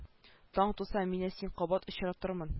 Таң туса мине син кабат очратырмын